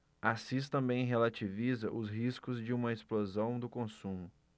assis também relativiza os riscos de uma explosão do consumo